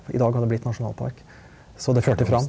i dag har det blitt nasjonalpark så det førte fram.